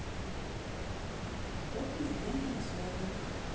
кто президент венесуэллы